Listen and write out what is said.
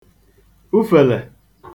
ufèlè